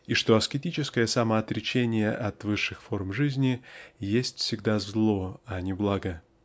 и что аскетическое самоотречение от высших форм жизни есть всегда зло а не благо.